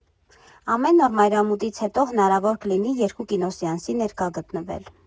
Ամեն օր մայրամուտից հետո հնարավոր կլինի երկու կինոսեանսի ներկա գտնվել։